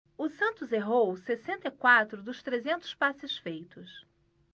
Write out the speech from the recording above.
o santos errou sessenta e quatro dos trezentos passes feitos